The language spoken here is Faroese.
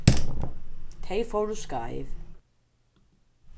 tey fóru skeiv